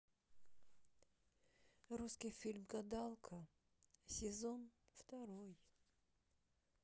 русский фильм гадалка сезон второй